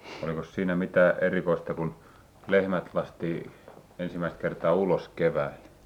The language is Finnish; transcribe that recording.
olikos siinä mitään erikoista kun lehmät laski ensimmäistä kertaa ulos keväällä